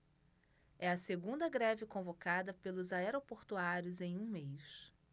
é a segunda greve convocada pelos aeroportuários em um mês